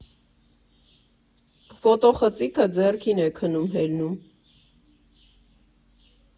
Ֆոտոխցիկը ձեռքին է քնում֊հելնում։